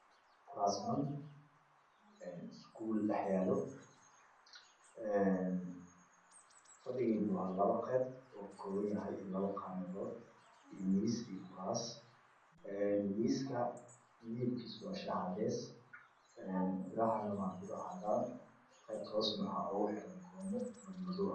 Waa kuras man isguul dhaxyalo kalar kedo waa cadan iyo cades dhulka waa cades dibikan waa cades